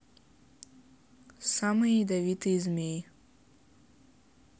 самые ядовитые змеи